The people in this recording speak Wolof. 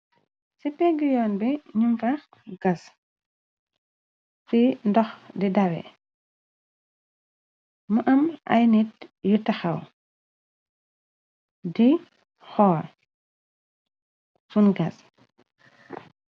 Ci pegge yoon bi nu fa gaas, fi ndox di daawea mu am ay nit yu taxaw, di xol fum gaas.